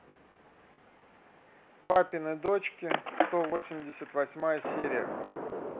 папины дочки сто восемьдесят восьмая серия